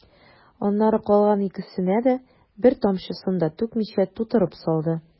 Аннары калган икесенә дә, бер тамчысын да түкмичә, тутырып салды.